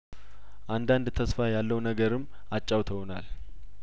አንዳንድ ተስፋ ያለው ነገርም አጫው ተውናል